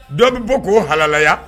Dɔ bi bɔ ko halaya?